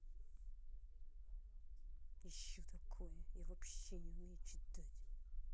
еще такое я вообще не умею читать